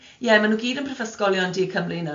ie ma' nhw gyd yn prifysgolion De Cymru nawr.